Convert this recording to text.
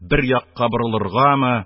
Бер якка борылыргамы,